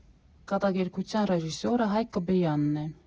Կատակերգության ռեժիսորը Հայկ Կբեյանն է։